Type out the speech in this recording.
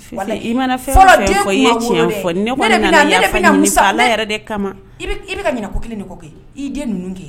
Walaye i ma na fɛn o fɛn fɔ, o ye tiɲɛ ye. Ne kɔni nana yafa de ɲini i fɛ.